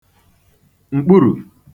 m̀kpurù